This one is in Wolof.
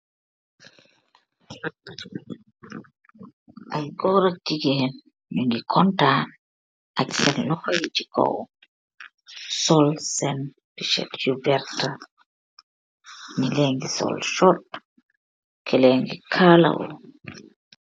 ay goor ak jigeen yu keex kontan ag sen lohox si koow sol sen short yu wertax jegeen gu sol short kenen keex kalawu